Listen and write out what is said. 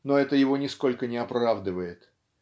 но это его нисколько не оправдывает.